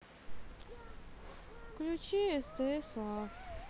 включи стс лав